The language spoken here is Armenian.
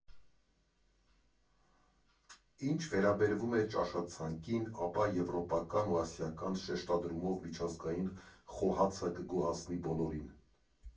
Ինչ վերաբերում է ճաշացանկին, ապա եվրոպական ու ասիական շեշտադրումով միջազգային խոհացը կգոհացնի բոլորին։